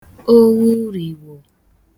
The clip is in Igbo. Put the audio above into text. owurìwò